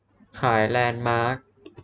ขายแลนด์มาร์ค